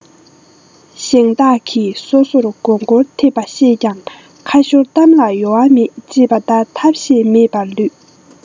ཞིང བདག གིས སོ སོར མགོ སྐོར ཐེབས པ ཤེས ཀྱང ཁ ཤོར གཏམ ལ ཡུ བ མེད ཅེས པ ལྟར ཐབས ཤེས མེད པར ལུས